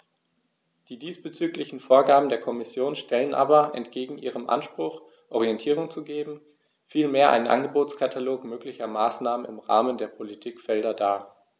Die diesbezüglichen Vorgaben der Kommission stellen aber entgegen ihrem Anspruch, Orientierung zu geben, vielmehr einen Angebotskatalog möglicher Maßnahmen im Rahmen der Politikfelder dar.